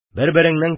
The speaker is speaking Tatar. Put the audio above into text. Бер-береңнән